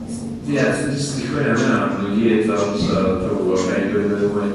Ie nes di 'di cwyno am hynna amdyn nw i gyd ddo so dwi'm yn gwbod be i gwylio ddim mwy.